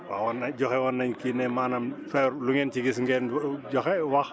waaw war nañ joxe woon nañ ci ne maanaam faire lu ngeen ci gis ngeen joxe wax